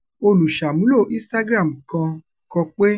Olùṣàmúlò Instagram kan kọ pé: